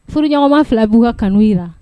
Furuɲɔgɔnma fila b'u ka kanu i la